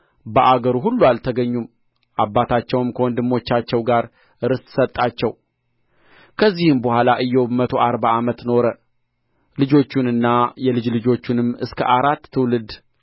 በአገሩ ሁሉ አልተገኙም አባታቸውም ከወንድሞቻቸው ጋር ርስት ሰጣቸው ከዚህም በኋላ ኢዮብ መቶ አርባ ዓመት ኖረ ልጆቹንና የልጅ ልጆቹንም እስከ አራት ተውልድ